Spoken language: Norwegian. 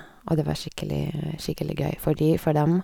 Og det var skikkelig skikkelig gøy for de for dem.